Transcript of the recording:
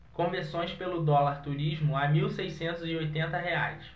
conversões pelo dólar turismo a mil seiscentos e oitenta reais